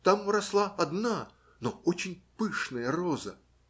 Там росла одна, но очень пышная роза.